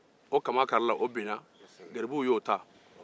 o kaman karila o binna garibuw y'o ta